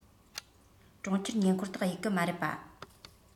གྲོང ཁྱེར ཉེ འཁོར དག གཡུགས གི མ རེད པཱ